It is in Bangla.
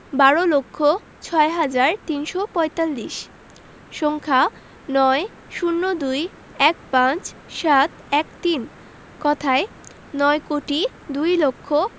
বার লক্ষ ছয় হাজার তিনশো পঁয়তাল্লিশ সংখ্যাঃ ৯ ০২ ১৫ ৭১৩ কথায়ঃ নয় কোটি দুই লক্ষ